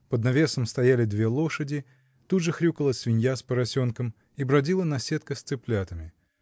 Под навесом стояли две лошади, тут же хрюкала свинья с поросенком и бродила наседка с цыплятами.